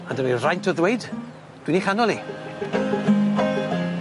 A 'dy fi'r fraint o ddweud, dwi 'n 'i chanol 'i!